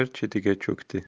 bir chetiga cho'kdi